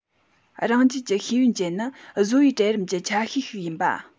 རང རྒྱལ གྱི ཤེས ཡོན ཅན ནི བཟོ པའི གྲལ རིམ གྱི ཆ ཤས ཤིག ཡིན པ